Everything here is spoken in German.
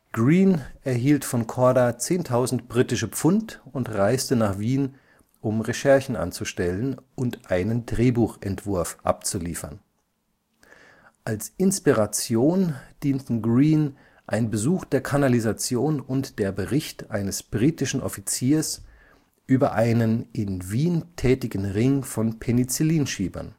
Greene erhielt von Korda 10.000 Britische Pfund und reiste nach Wien, um Recherchen anzustellen und einen Drehbuchentwurf abzuliefern. Als Inspiration dienten Greene ein Besuch der Kanalisation und der Bericht eines britischen Offiziers über einen in Wien tätigen Ring von Penicillin-Schiebern